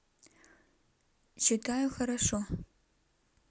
считаю хорошо